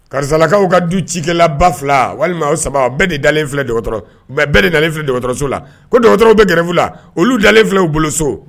Karisalakaw ka du cikɛla ba fila walima sama bɛɛ de dalen filɛ bɛɛ de dalenso la ko dɔgɔtɔrɔw bɛ gɛrɛ la olu dalenlen filɛ boloso